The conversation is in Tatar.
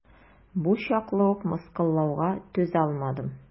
Бу чаклы ук мыскыллауга түзалмадым.